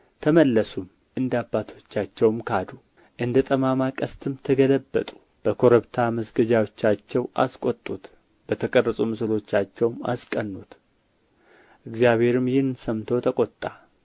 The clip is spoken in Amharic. ተመለሱም እንደ አባቶቻቸውም ከዱ እንደ ጠማማ ቀስትም ተገለበጡ ኰረብታ መስገጃዎቻቸውም አስቈጡት በተቀረጹ ምስሎቻቸውም አስቀኑት እግዚአብሔርም ይህን ሰምቶ ተቈጣ